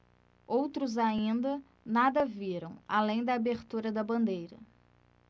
outros ainda nada viram além da abertura da bandeira